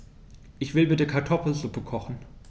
Ich will bitte Kartoffelsuppe kochen.